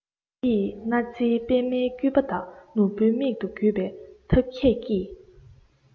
དེ ཡི སྣ རྩེའི པདྨའི སྐུད པ དག ནོར བུའི མིག ཏུ བརྒྱུས པའི ཐབས མཁས ཀྱིས